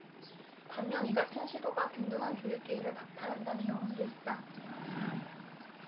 반면 이같은 시도가 균등한 교육기회를 박탈한다는 여론도 있다